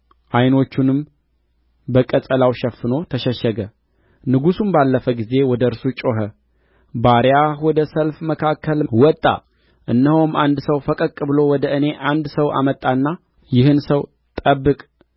ዓይኖቹንም በቀጸላው ሸፍኖ ተሸሸገ ንጉሡም ባለፈ ጊዜ ወደ እርሱ ጮኸ ባሪያህ ወደ ሰልፍ መካከል ወጣ እነሆም አንድ ሰው ፈቀቅ ብሎ ወደ እኔ አንድ ሰው አመጣና ይህን ሰው ጠብቅ